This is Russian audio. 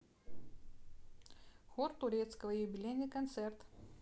хор турецкого юбилейный концерт